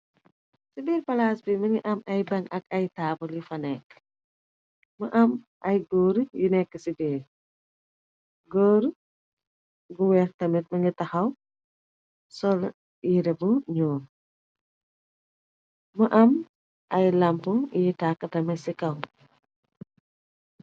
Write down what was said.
Ci biir palaas bi mungi am ay baŋ ak ay taabali fa nekka mu am ay gór yu nèkka ci biir gór gu wèèx tamit mungi taxaw sol yirèh bu ñuul ,mu am ay lamp yiy takka tamit ci kaw.